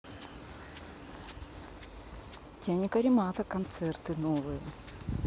яне калимата концерты новые